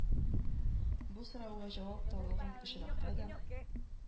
Бу сорауга җавап табылган очракта да,